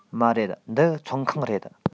མ རེད འདི ཚོང ཁང རེད